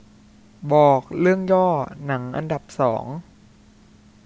บอกเรื่องย่อหนังอันดับสอง